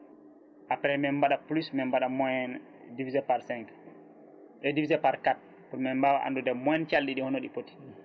après min mbaɗa plus min mbaɗa moins divisé par 5 e divisé par 4